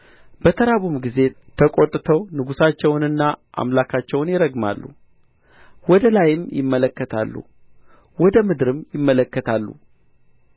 በተራቡም ጊዜ ተቈጥተው ንጉሣቸውንና አምላካቸውን ይረግማሉ ወደ ላይም ይመለከታሉ ወደ ምድርም ይመለከታሉ